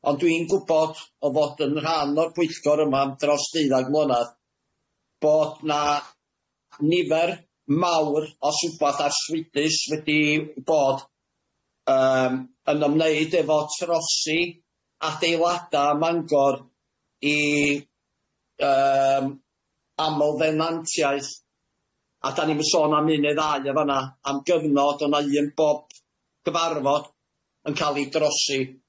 Ond dwi'n gwbod o fod yn rhan o'r bwyllgor yma am dros deuddag mlynadd, bod 'na nifer mawr os wbath arswydus wedi bod yym yn ymwneud efo trosi adeilada' Mangor i yym amlddenantiaeth a 'dan ni'm yn sôn am un neu ddau yn fan 'na am gyfnod on' ma' un bob cyfarfod yn ca'l 'i drosi